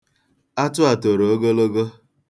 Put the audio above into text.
Atụ a toro ogologo.